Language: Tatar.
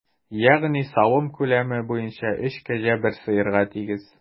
Ягъни савым күләме буенча өч кәҗә бер сыерга тигез.